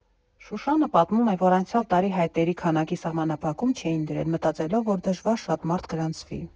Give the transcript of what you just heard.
Շուշանը պատմում է, որ անցյալ տարի հայտերի քանակի սահմանափակում չէին դրել՝ մտածելով, որ դժվար շատ մարդ գրանցվի։